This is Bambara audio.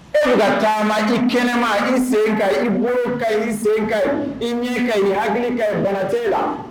E nka caman i kɛnɛma i sen ka i bolo ka i sen ka ɲi i ɲɛ ka ɲi hakili ka bara la